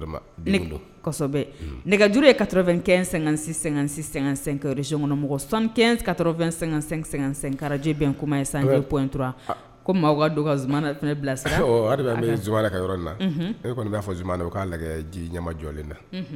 Nɛgɛj kaɛn---sɛsi kɔnɔ mɔgɔ kasɛkarajɛ bɛn kuma ye san ptura ko maa waga ka z tɛmɛ bila sa z ka yɔrɔ na e kɔni b'a fɔ juma' lajɛ ji ɲamamajɔlen na